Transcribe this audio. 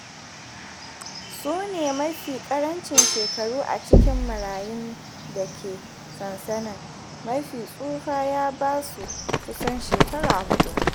Su ne mafi ƙarancin shekaru a cikin marayun da ke sansanin; mafi tsufa ya ba su kusan shekaru huɗu.